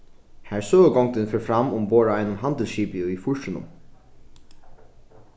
har søgugongdin fer fram umborð á einum handilsskipi í fýrsunum